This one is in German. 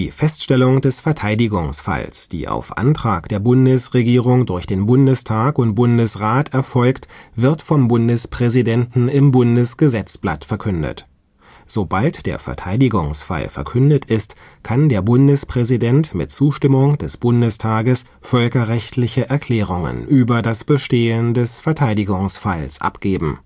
Feststellung des Verteidigungsfalls, die auf Antrag der Bundesregierung durch Bundestag und Bundesrat erfolgt, wird vom Bundespräsidenten im Bundesgesetzblatt verkündet. Sobald der Verteidigungsfall verkündet ist, kann der Bundespräsident mit Zustimmung des Bundestages völkerrechtliche Erklärungen über das Bestehen des Verteidigungsfalls abgeben